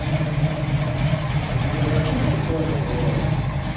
у тебя такой сексуальный голос